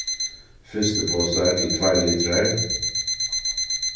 frystiposar til tveir litrar